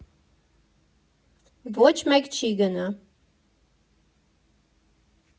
Ոչ մեկ չի գնա։